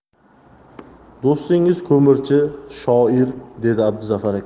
do'stingiz ko'mirchi shoir dedi abduzafar aka